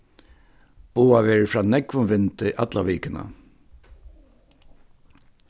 boðað verður frá nógvum vindi alla vikuna